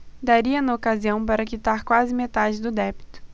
daria na ocasião para quitar quase metade do débito